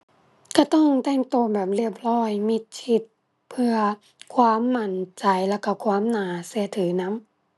ก็ต้องแต่งก็แบบเรียบร้อย มิดชิด เพื่อความมั่นใจแล้วก็ความน่าก็ถือนำ